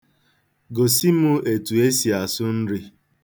Gosi m etu e si asụ nri.